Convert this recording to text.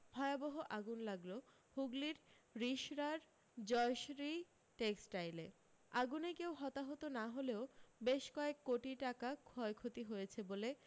ভয়াবহ আগুন লাগল হুগলির রিষড়ার জয়শরী টেক্সটাইলে আগুনে কেউ হতাহত না হলেও বেশ কয়েক কোটি টাকা ক্ষয়ক্ষতি হয়েছে বলে